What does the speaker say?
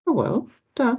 O wel da.